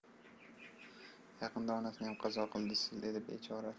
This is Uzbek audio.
yaqinda onasiyam qazo qildi sil edi bechora